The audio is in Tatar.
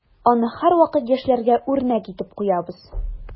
Аны һәрвакыт яшьләргә үрнәк итеп куябыз.